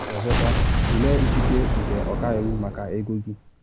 Ọzọkwa, tụlee ikike nke ọkaiwu maka ego gị.